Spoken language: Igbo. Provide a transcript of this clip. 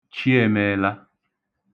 Chiēmēēlā